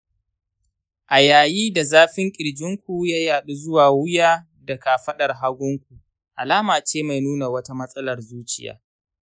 a yayi da zafin ƙirjinku ya, yaɗu zuwa wuya da kafaɗar hagunku, alama ce mai nuna wata matsalar zuciya